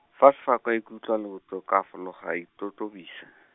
fa Sefako a ikutlwa a le botoka a fologa a itotobisa.